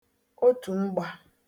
otùmgbā